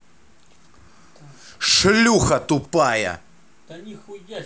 шлюха тупая